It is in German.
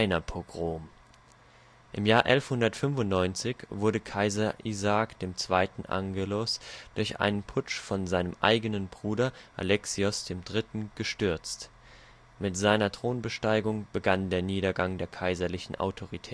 Lateinerpogrom "). Im Jahr 1195 wurde Kaiser Isaak II. Angelos durch einen Putsch von seinem eigenen Bruder, Alexios III. gestürzt. Mit seiner Thronbesteigung begann der Niedergang der kaiserlichen Autorität